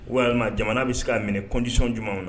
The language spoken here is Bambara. Walima jamana bɛ se ka minɛ condition jumɛn na?